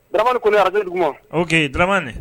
Bara kolo araj dugu ouraman de